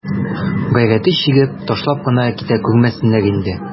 Гайрәте чигеп, ташлап кына китә күрмәсеннәр инде.